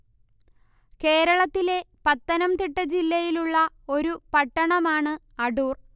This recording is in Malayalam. കേരള ത്തിലെ പത്തനംതിട്ട ജില്ലയിലുള്ള ഒരു പട്ടണമാണ് അടൂർ